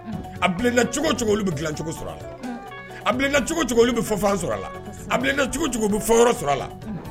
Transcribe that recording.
A cogo cogo bɛcogo sɔrɔ a cogo bɛ fan sɔrɔ a a bɛ yɔrɔ sɔrɔ a la